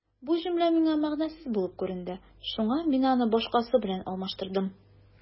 Бу җөмлә миңа мәгънәсез булып күренде, шуңа мин аны башкасы белән алмаштырдым.